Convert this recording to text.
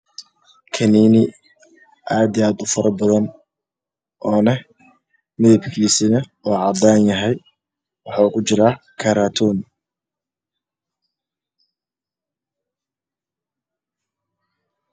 Kaniini aad ubadan oo leh midab cadaan ah